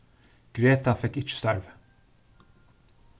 greta fekk ikki starvið